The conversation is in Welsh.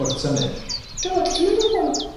wrth symud?